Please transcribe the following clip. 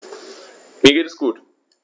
Mir geht es gut.